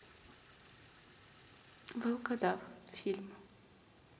волкодав фильм